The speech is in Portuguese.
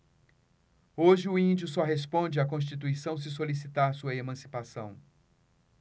hoje o índio só responde à constituição se solicitar sua emancipação